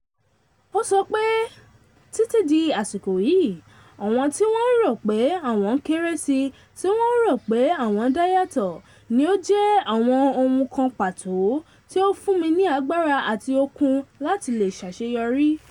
Ó sọ pé: "Títí di àsìkò yìí, àwọn tí wọ́n ń rò pé àwọn kéré sí, tí wọ̀n ń rò pé àwọn dáyàtọ̀, ní ó jẹ́ àwọn ohun kan pàtó tí ó fún mi ní agbára àti okun láti le ṣàṣeyọrí.”